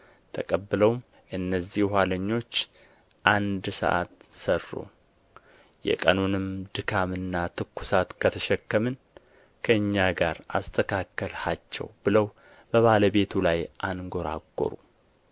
ተቀብለውም እነዚህ ኋለኞች አንድ ሰዓት ሠሩ የቀኑንም ድካምና ትኩሳት ከተሸከምን ከእኛ ጋር አስተካከልሃቸው ብለው በባለቤቱ ላይ አንጐራጐሩ